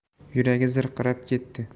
yuragi zirqirab ketdi